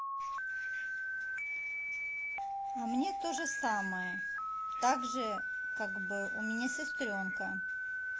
а мне тоже самое также как бы у меня сестренка